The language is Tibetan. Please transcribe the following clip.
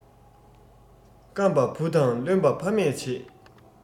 སྐམ པ བུ དང རློན པ ཕ མས བྱེད